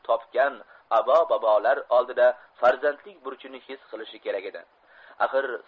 topgan abo bobolar oldi da farzandlik burchini his qilishi kerak edi axir